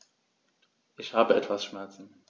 Ich habe etwas Schmerzen.